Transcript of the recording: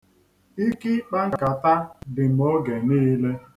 Ike ịkpa nkata dị m oge niile.